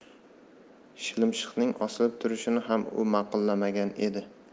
shilimshiqning osilib turishini ham u ma'qullamagan edi